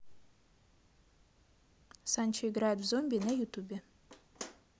санчо играет в зомби на ютубе